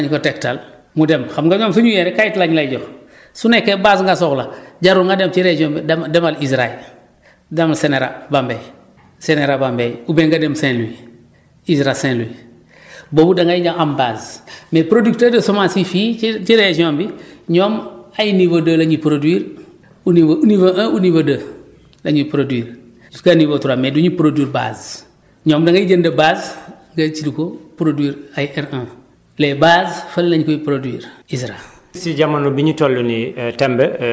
voilà ku soxla mën nañu ko tegtal mu dem xam nga ñoom soo ñëwee rek këyit la ñu lay jox su nekkee base nga soxla jarul nga dem ci région bi demel ISRA demal CNRA Bambey CNRA Bambey oubien nga dem Saint-louis ISRA Saint-louis boobu da ngay ña am base mais producteur yu semence yi fii ci ci région bi ñoom ay niveau 2 la ñuy produire ou niveau niveau 1 ou niveau 2 la ñuy produire jusqu' à niveau 3 mais du ñuy produire base ñoom da ngay jënd base nga kii ko produire ay R1 les bases fan lañ koy produire ISRA